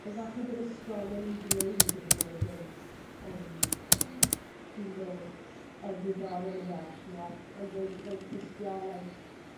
efalle bod ysgolion yn dweud eu bod yn yn yym dilyn egwyddorion y Welsh Not ond roedd roedd tystiolaeth